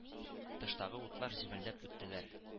Тыштагы утлар җемелдәп үттеләр